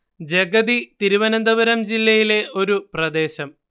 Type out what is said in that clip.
ജഗതി തിരുവനന്തപുരം ജില്ലയിലെ ഒരു പ്രദേശം